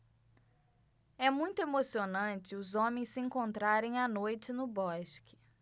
é muito emocionante os homens se encontrarem à noite no bosque